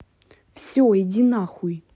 все иди на хуй